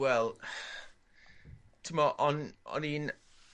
Wel t'mo' o'n o'n i'n